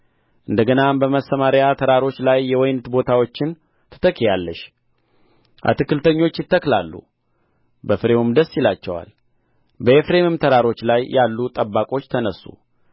እንደ ገናም በሰማርያ ተራሮች ላይ የወይን ቦታዎችን ትተክሊአለሽ አትክልተኞች ይተክላሉ በፍሬውም ደስ ይላቸዋል በኤፍሬምም ተራሮች ላይ ያሉ ጠባቆች ተነሡ